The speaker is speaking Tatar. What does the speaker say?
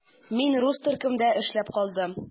Мин рус төркемендә эшләп калдым.